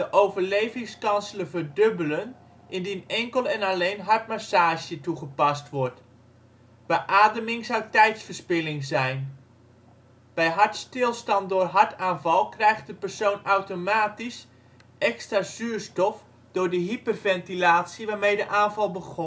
overlevingskansen verdubbelen indien enkel en alleen hartmassage toegepast wordt. Beademing zou tijdverspilling zijn. Bij hartstilstand door hartaanval krijgt de persoon automatisch extra zuurstof door de hyperventilatie waarmee de aanval begon